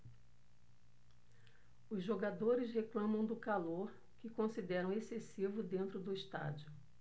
os jogadores reclamam do calor que consideram excessivo dentro do estádio